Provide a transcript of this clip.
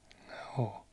joo